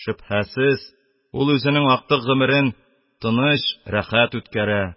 Шөбһәсез, ул үзенең актык гомерен тыныч, рәхәт үткәрә.